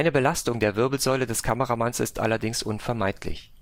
Belastung der Wirbelsäule des Kameramanns ist allerdings unvermeidlich